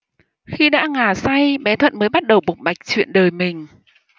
khi đã ngà say bé thuận mới bắt đầu bộc bạch chuyện đời mình